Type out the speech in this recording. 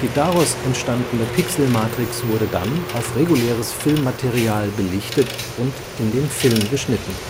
daraus entstandene Pixelmatrix wurde dann auf reguläres Filmmaterial belichtet und in den Film geschnitten